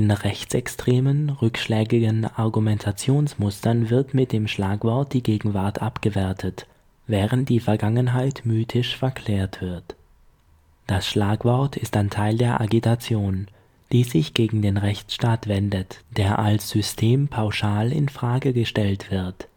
rechtsextremen, rückschlägigen Argumentationsmustern wird mit dem Schlagwort die Gegenwart abgewertet, während die Vergangenheit mythisch verklärt wird. Das Schlagwort ist dann Teil der Agitation, die sich gegen den Rechtsstaat wendet, der als System pauschal in Frage gestellt wird